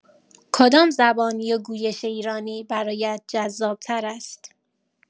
کدام زبان یا گویش ایرانی برایت جذاب‌تر است؟